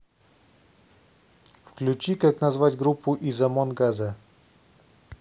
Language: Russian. включи как назвать группу из омон газа